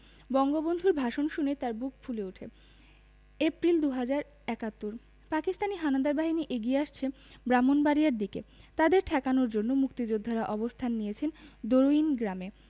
বঙ্গবন্ধুর ভাষণ শুনে তাঁর বুক ফুলে ওঠে এপ্রিল ২০৭১ পাকিস্তানি হানাদার বাহিনী এগিয়ে আসছে ব্রাহ্মনবাড়িয়ার দিকে তাদের ঠেকানোর জন্য মুক্তিযোদ্ধারা অবস্থান নিয়েছেন দরুইন গ্রামে